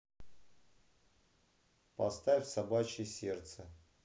поставь собачье сердце